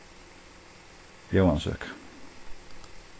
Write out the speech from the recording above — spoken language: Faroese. jóansøka